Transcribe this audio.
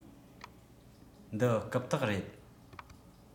འདི རྐུབ སྟེགས རེད